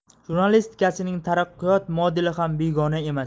jurnalistikasining taraqqiyot modeli ham begona emas